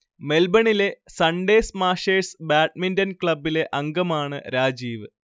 മെൽബണിലെ Sunday smashers badminton ക്ലബിലെ അംഗമാണ് രാജീവ്